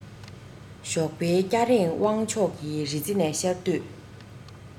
ཞོགས པའི སྐྱ རེངས དབང ཕྱོགས ཀྱི རི རྩེ ནས ཤར དུས